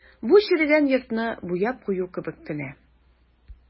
Бу черегән йортны буяп кую кебек кенә.